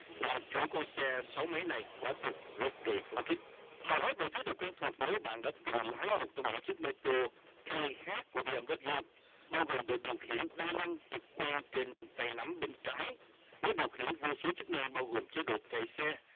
làm chủ con xe sáu mấy này quả thực rất gây phấn khích hầu hết mọi thứ đều quen thuộc với bạn đó chính là những chiếc mô tô thuê khác của b em w bao gồm bộ điều khiển đa năng trực quang trên tay nắm bên trái với điều khiển vô số chức năng bao gồm chế độ chạy xe